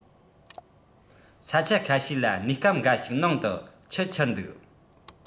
ས ཆ ཁ ཤས ལ གནས སྐབས འགའ ཞིག ནང དུ ཆུ འཁྱིལ འདུག